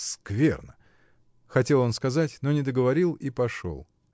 скверно, — хотел он сказать, но не договорил и пошел.